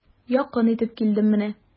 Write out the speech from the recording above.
Якын итеп килдем менә.